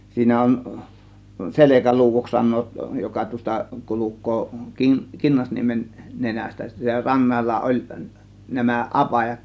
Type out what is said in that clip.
siinä on Selkäluodoksi sanovat joka tuosta kulkee - Kinnasniemen nenästä sitten rannalla oli nämä apajat